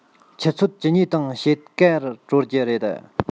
ཆུ ཚོད བཅུ གཉིས དང ཕྱེད ཀར གྲོལ གྱི རེད